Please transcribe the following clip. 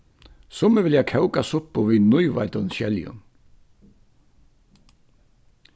summi vilja kóka suppu við nýveiddum skeljum